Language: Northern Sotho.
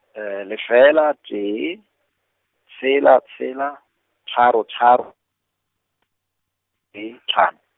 lefela tee, tshela tshela, tharo tharo , tee tlhano.